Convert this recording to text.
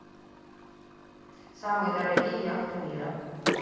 самые дорогие яхты мира